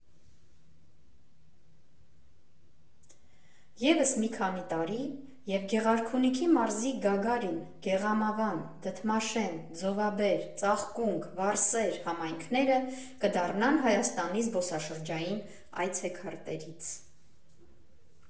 Եվս մի քանի տարի, և Գեղարքունիքի մարզի Գագարին, Գեղամավան, Դդմաշեն, Զովաբեր, Ծաղկունք, Վարսեր համայնքները կդառնան Հայաստանի զբոսաշրջային այցեքարտերից։